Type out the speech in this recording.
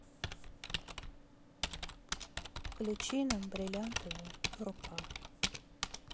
включи нам бриллиантовая рука